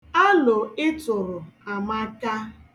Aro ị tụrụ amaka.